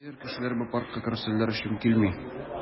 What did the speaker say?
Хәер, кешеләр бу паркка карусельләр өчен килми.